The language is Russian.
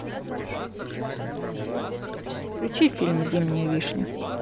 включи фильм зимняя вишня